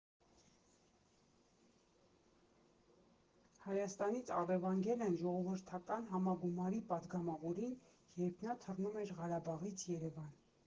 Հայաստանից առևանգել են ժողովրդական համագումարի պատգամավորին, երբ նա թռնում էր Ղարաբաղից Երևան։